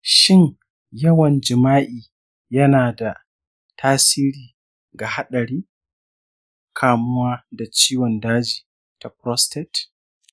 shin yawan jima’i yana da tasiri ga haɗarin kamuwa da ciwon daji ta prostate?